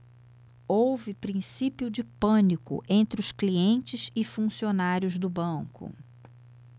houve princípio de pânico entre os clientes e funcionários do banco